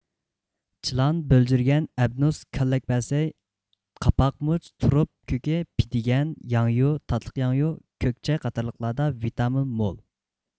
چىلان بۆلجۈرگەن ئەبنوس كاللەكبەسەي قاپاق مۇچ تۇرۇپ كۆكى پېدىگەن ياڭيۇ تاتلىقياڭيۇ كۆك چاي قاتارلىقلاردا ۋىتامىن مول